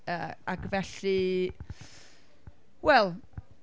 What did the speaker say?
Yy, ac felly wel.